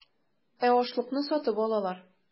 Ә ашлыкны сатып алалар.